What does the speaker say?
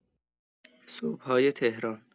صبح‌های تهران